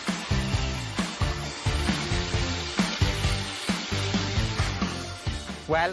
Wel